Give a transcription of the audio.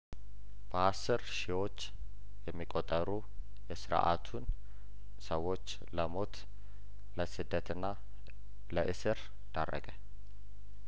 በአስር ሺዎች የሚቆጠሩ የስርአቱን ሰዎች ለሞት ለስደትና ለእስር ዳረገ